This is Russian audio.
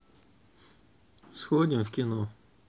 сходим в кино